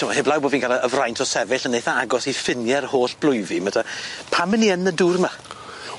T'mo' heblaw bo' fi'n ga'l y y fraint o sefyll yn eitha agos i ffinie'r holl blwyfi 'ma te pam 'yn ni yn y dŵr 'ma?